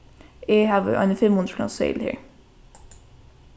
eg havi ein fimmhundraðkrónuseðil her